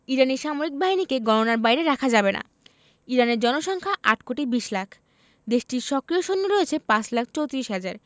ইরানি সামরিক বাহিনীকে গণনার বাইরে রাখা যাবে না ইরানের জনসংখ্যা ৮ কোটি ২০ লাখ দেশটির সক্রিয় সৈন্য রয়েছে ৫ লাখ ৩৪ হাজার